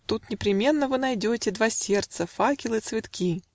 Тут непременно вы найдете Два сердца, факел и цветки